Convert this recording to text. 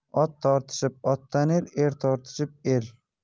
ot tortishib ot tanir er tortishib el